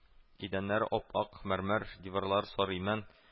Идәннәре ап-ак мәрмәр, диварлары сары имән